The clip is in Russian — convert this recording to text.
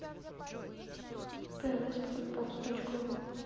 pw спортбокс точка ру